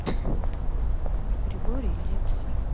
григорий лепс